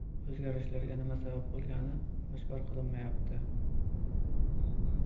o'zgarishlarga nima sabab bo'lgani oshkor qilinmayapti